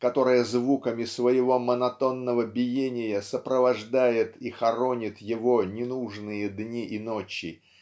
которая звуками своего монотонного биения сопровождает и хоронит его ненужные дни и ночи